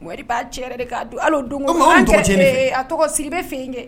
Momɛdi ba cɛ yɛrɛ de ka dun . Hali o don go ee a tɔgɔ siribe fe yen kɛ.